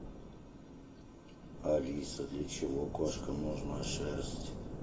алиса для чего кошкам нужна шерсть